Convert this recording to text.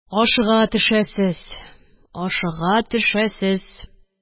– ашыга төшәсез, ашыга төшәсез